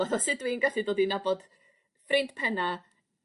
Fath o sud dwi'n gallu dod i nabod ffrind penna'